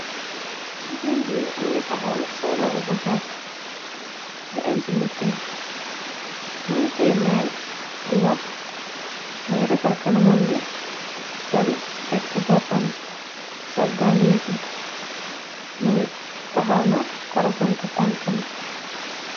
Jigéen bi mëngi taxaw soral bogaat bu em ci loupin më ngi tee mayk di wax më ngi tefar kanamam be sol tegci boppamb soldaley gudd më ngi taxaw na colosant tankanb.